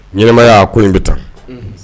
Ɲmaya ko in n bɛ taa